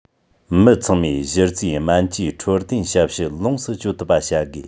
མི ཚང མས གཞི རྩའི སྨན བཅོས འཕྲོད བསྟེན ཞབས ཞུ ལོངས སུ སྤྱོད ཐུབ པ བྱ དགོས